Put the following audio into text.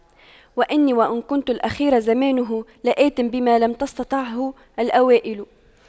وإني وإن كنت الأخير زمانه لآت بما لم تستطعه الأوائل